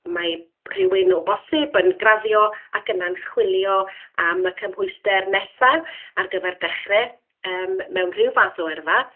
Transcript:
mae rhywun, o bosib, yn graddio ac yna'n chwilio am y cymhwyster nesaf ar gyfer dechrau yym mewn rhyw fath o yrfa.